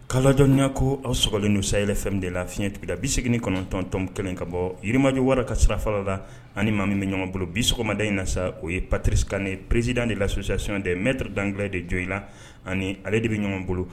K'a ladɔniya ko, aw sɔgɔlen do sahel FM fiɲɛ tuguda 89.1 ka bɔ Yirimajɔ wara ka sira fara la, ani maa min bɛ ɲɔgɔn bolo bi sɔgɔmada in na sa o ye Patrice Kane président de l'association des maîtres d'anglais de Dioïla ani ale de ɲɔgɔn bolo